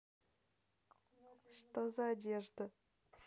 что за одежда